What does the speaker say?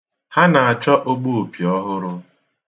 Ha na-achọ ogbuopi ọhụrụ.